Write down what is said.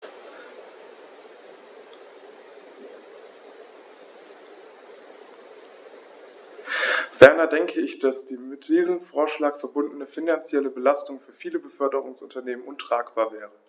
Ferner denke ich, dass die mit diesem Vorschlag verbundene finanzielle Belastung für viele Beförderungsunternehmen untragbar wäre.